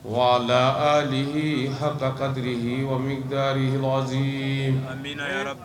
Wala ali ha kati wami gari wazminayara